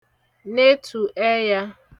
netù ẹyā